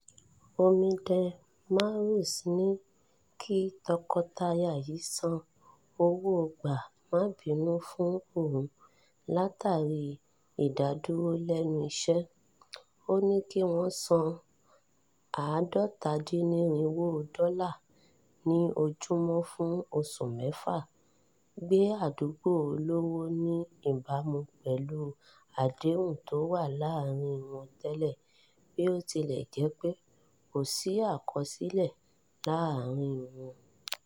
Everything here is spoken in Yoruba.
Omidan Maurice ní kí tọkọtaya yìí san owó-gbaà-má-binú fún òun látàrí ìdáduụró lẹ́nu iṣẹ́. Ó ní kí wọ́n san 350 dọlà ní ojúmọ́ fun oṣù mẹ́fà, gbé àdúgbò olówó ní ìbámu pẹ̀lú àdéhùn tó wà láàrin wọn tẹ́lẹ̀ bí ó tilẹ̀ jẹ́ pé kò sí àkọsílẹ̀ láàárin wọn.